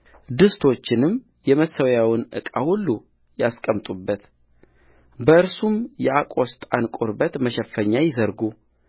ድስቶቹንም የመሠዊያውን ዕቃ ሁሉ ያስቀምጡበት በእርሱም የአቆስጣን ቁርበት መሸፈኛ ይዘርጉ